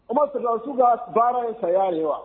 O ma sɛgɛn su ka baara in saya ye wa